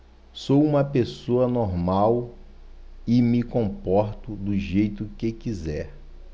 sou homossexual e me comporto do jeito que quiser